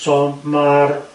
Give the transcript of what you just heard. So ma'r